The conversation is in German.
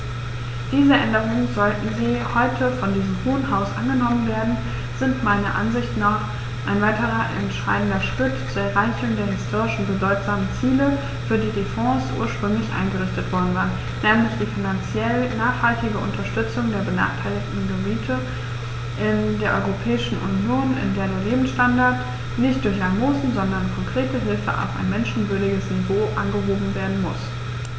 Diese Änderungen, sollten sie heute von diesem Hohen Haus angenommen werden, sind meiner Ansicht nach ein weiterer entscheidender Schritt zur Erreichung der historisch bedeutsamen Ziele, für die die Fonds ursprünglich eingerichtet worden waren, nämlich die finanziell nachhaltige Unterstützung der benachteiligten Gebiete in der Europäischen Union, in der der Lebensstandard nicht durch Almosen, sondern konkrete Hilfe auf ein menschenwürdiges Niveau angehoben werden muss.